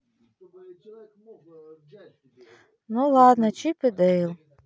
ну ладно чип и дейл